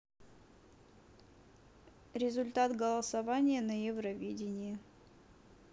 результат голосования на евровидении